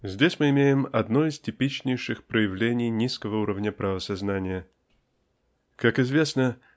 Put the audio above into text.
Здесь мы имеем одно из типичнейших проявлений низкого уровня правосознания. Как известно